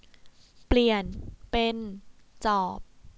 เปลี่ยนเป็นจอบ